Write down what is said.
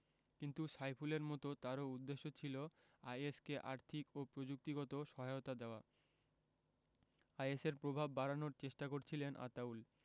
কিন্তু সাইফুলের মতো তারও উদ্দেশ্য ছিল আইএস কে আর্থিক ও প্রযুক্তিগত সহায়তা দেওয়া আইএসের প্রভাব বাড়ানোর চেষ্টা করছিলেন আতাউল